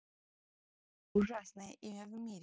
джой самое ужасное имя в мире